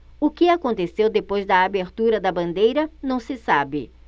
o que aconteceu depois da abertura da bandeira não se sabe